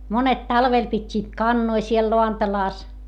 monet talvella pitivät kanoja siellä lantalassa